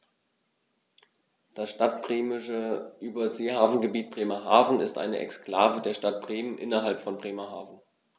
Das Stadtbremische Überseehafengebiet Bremerhaven ist eine Exklave der Stadt Bremen innerhalb von Bremerhaven.